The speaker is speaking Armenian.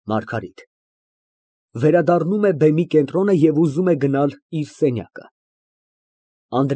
ՄԱՐԳԱՐԻՏ ֊ (Վերադառնում է բեմի կենտրոնը և ուզում է գնալ իր սենյակը)։